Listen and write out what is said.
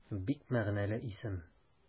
Бик мәгънәле исем.